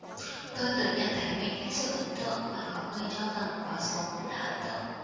tôi tự nhận thấy mình thích sự ấn tượng mà có người cho rằng quá xấu cũng là ấn tượng